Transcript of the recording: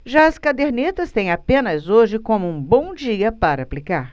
já as cadernetas têm apenas hoje como um bom dia para aplicar